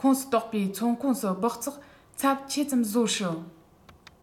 ཁོངས སུ གཏོགས པའི མཚོ ཁོངས སུ སྦགས བཙོག ཚབས ཆེ ཙམ བཟོ སྲིད